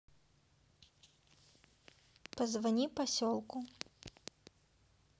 позвони поселку